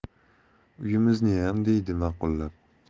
uyimizniyam deydi maqullab